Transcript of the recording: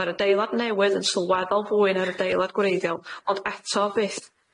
Ma'r adeilad newydd yn sylweddol fwy na'r adeilad gwreiddiol ond eto byth